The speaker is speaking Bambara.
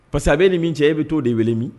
Parce que a b'e ni min cɛ, e bɛ t'o de wele min?